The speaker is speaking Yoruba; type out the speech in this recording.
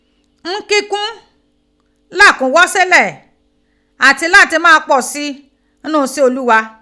N kikun, Lakungho sile ati lati maa posi n nu ise olugha .